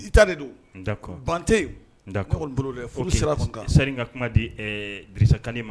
Ta de don bante yen bolo sira seri ka kuma di sa ma